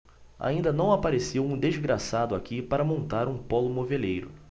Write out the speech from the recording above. ainda não apareceu um desgraçado aqui para montar um pólo moveleiro